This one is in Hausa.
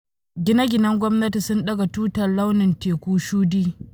Gine-ginen gwamnati sun daga tutar launin teku shudi.